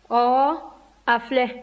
ɔwɔ a filɛ